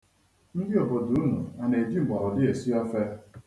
Ndị obodo unu a na-eji mgbọrọdị esi ofe?